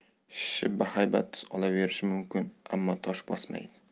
shishib bahaybat tus olaverishi mumkin ammo tosh bosmaydi